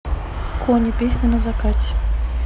кони песня на закате